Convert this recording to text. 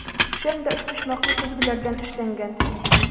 Түшәм дә өчпочмаклы көзгеләрдән эшләнгән.